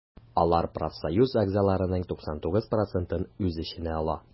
Алар профсоюз әгъзаларының 99 процентын үз эченә ала.